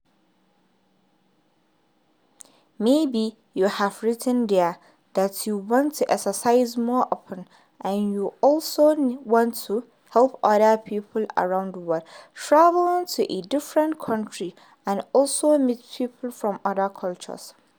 Maybe you have written there that you want to exercise more often, and you also want to help other people around the world, travel to a different country and also meet people from other cultures.